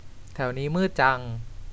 แถวนี้มืดจัง